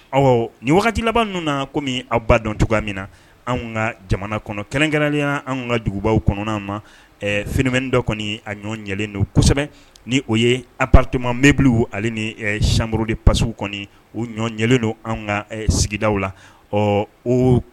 Ɔ ni wagati laban ninnu na kɔmi aw ba dɔn cogoya min na an ka jamana kɔnɔ kelenkɛrɛnya an ka dugubaw kɔnɔna ma fmɛ dɔ kɔni a ɲɔgɔn ɲɛlen don kosɛbɛ ni o ye anrtima bɛbili ale ni samururo de pasi kɔni u ɲɔgɔn ɲɛlen don an ka sigida la ɔ o